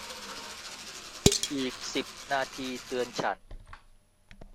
อีกสิบนาทีเตือนฉัน